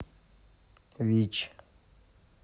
which